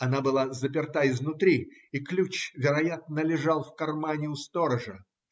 она была заперта изнутри, и ключ, вероятно, лежал в кармане у сторожа.